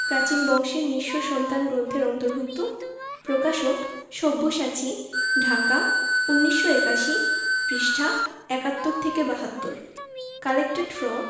প্রাচীন বংশের নিঃস্ব সন্তান গ্রন্থের অন্তর্ভুক্ত প্রকাশকঃ সব্যসাচী ঢাকা ১৯৮১ পৃষ্ঠাঃ ৭১ থেকে ৭২ কালেক্টেড ফ্রম